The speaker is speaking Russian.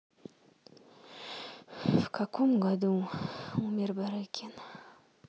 в каком году умер барыкин